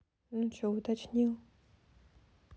ну че уточнил